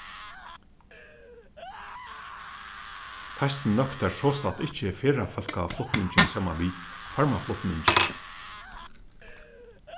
teistin nøktar sostatt ikki ferðafólkaflutningin saman við farmaflutningi